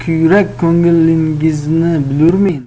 kuyrak ko'nglingizni bilurmen